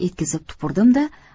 etkizib tupurdim da